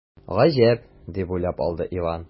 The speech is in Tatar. “гаҗәп”, дип уйлап алды иван.